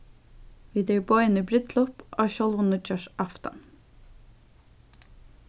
vit eru boðin í brúdleyp á sjálvum nýggjársaftan